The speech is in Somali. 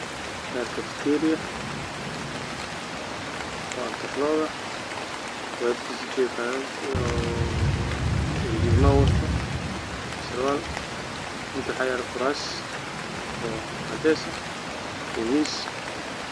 Waa meel kafateeri ah oo oo inter loog ah